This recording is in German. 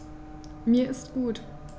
Mir ist gut.